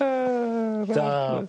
Yr arglwydd. Da.